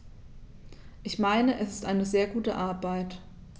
Ich meine, es ist eine sehr gute Arbeit.